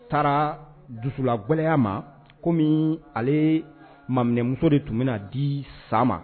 Taara dusulagɛlɛya ma komi ale maminɛmuso de tun bɛna di sa ma!